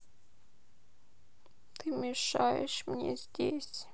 ты мне мешаешь здесь